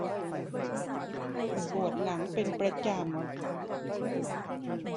ปวดหลังเป็นประจำ